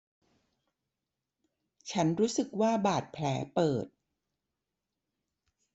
ฉันรู้สึกว่าบาดแผลเปิด